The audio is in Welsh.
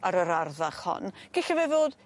ar yr ardd fach hon gelle fe fod